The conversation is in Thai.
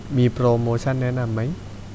มีโปรโมชั่นแนะนำไหม